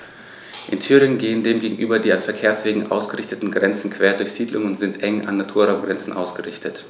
In Thüringen gehen dem gegenüber die an Verkehrswegen ausgerichteten Grenzen quer durch Siedlungen und sind eng an Naturraumgrenzen ausgerichtet.